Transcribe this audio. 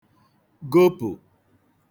gopụ